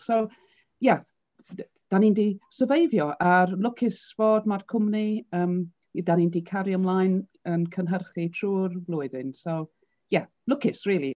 So ie, dan ni 'di syrfeifio a'r lwcus fod mae'r cwmni yym i dan ni 'di cario ymlaen yn cynhyrchu trwy'r flwyddyn. So ie, lwcus rili!